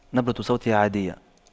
نبرة صوته عادية